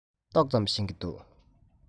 ཏོག ཙམ ཤེས ཀྱི འདུག